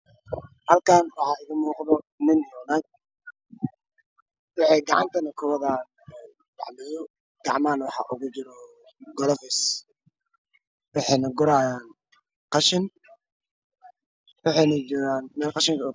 Halkaan waxaa iiga ka muuqda nin naag waxaa gacantane ku gacmaha waxaa uga jiro golofis waxayna guraanyaan qashin waxayna joogay mee qashin